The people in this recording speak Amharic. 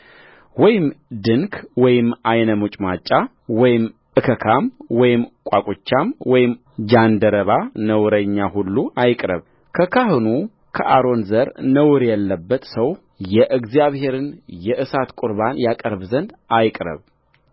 ወይም ድንክ ወይም ዓይነ መጭማጫ ወይም እከካም ወይም ቋቍቻም ወይም ጃንደረባ ነውረኛ ሁሉ አይቅረብከካህኑ ከአሮን ዘር ነውር ያለበት ሰው የእግዚአብሔርን የእሳት ቍርባን ያቀርብ ዘንድ አይቅረብ